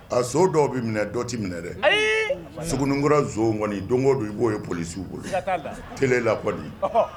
A dɔw bɛ minɛ dɔti minɛ dɛ sugunɛunkurara z kɔniɔni don don i b'o ye polisiw bolo t la